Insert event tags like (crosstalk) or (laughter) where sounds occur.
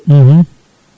(hesitation) (hesitation)